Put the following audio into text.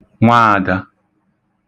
nwaādā